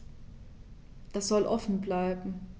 Das soll offen bleiben.